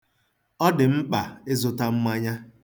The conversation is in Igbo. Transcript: Ọ dị mkpa ịzụta mmanya.